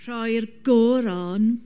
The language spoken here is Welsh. Rhoi'r goron